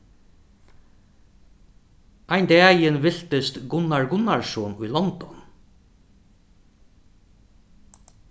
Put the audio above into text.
ein dagin viltist gunnar gunnarsson í london